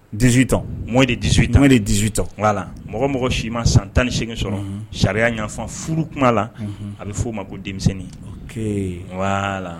Di tɔ mɔ de di tan de di la mɔgɔ mɔgɔ sii ma san tan ni segin sɔrɔ sariya ɲfan furu kuma la a bɛ f'o ma ko denmisɛnnin wala